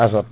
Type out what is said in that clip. azote